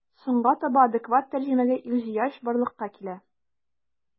Соңга таба адекват тәрҗемәгә ихҗыяҗ барлыкка килә.